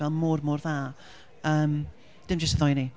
Fel mor, mor dda. Yym dim jyst y ddoi o ni!